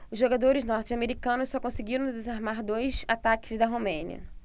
os jogadores norte-americanos só conseguiram desarmar dois ataques da romênia